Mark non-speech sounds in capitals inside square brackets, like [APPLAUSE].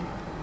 [HESITATION] [HESITATION]